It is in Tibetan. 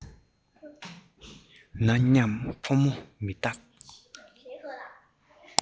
ན མཉམ ཕོ མོ མི རྟག